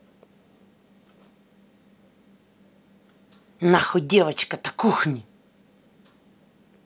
нахуй девочка то кухни